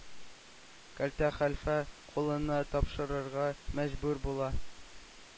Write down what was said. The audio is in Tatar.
Кәлтә хәлфә кулына тапшырырга мәҗбүр була.